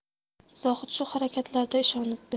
zohid shu harakatlarga ishonibdi